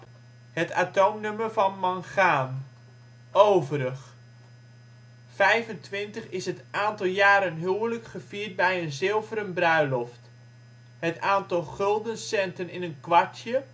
atoomnummer van mangaan Vijfentwintig is: Het aantal jaren huwelijk gevierd bij een zilveren bruiloft. Het aantal guldenscenten in een kwartje